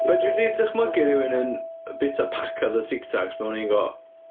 Fedri di ddychmygu rywun yn bwyta paced o Tic Tacs mewn un go?